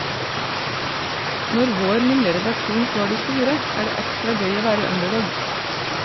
Når vår lille redaksjon slår de store, er det ekstra gøy å være underdog.